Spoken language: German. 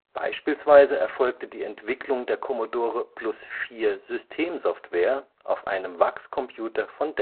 Beispielsweise erfolgte die Entwicklung der Commodore-Plus/4-Systemsoftware auf einem VAX-Computer von